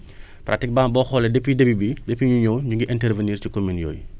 pratiquement boo xoolee depuis début bi depuis ñu ñëw ñoo ngi intervenir ci commune yooyu